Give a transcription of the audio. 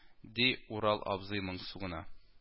Ди урал абзый моңсу гына